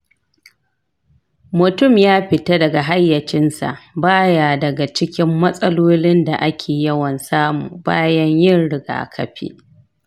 mutum ya fita daga hayyacinsa ba ya daga cikin matsalolin da ake yawan samu bayan yin rigakafi.